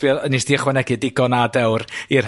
...fuo- a nest ti ychwanegu digon a dewr i'r...